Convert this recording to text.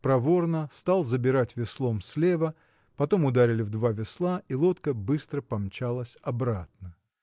проворно стал забирать веслом слева потом ударили в два весла и лодка быстро помчалась обратно.